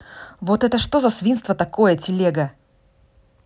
вот это что за свинство такое телега